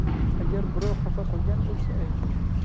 agar birov xafa qilgan bo'lsa ayt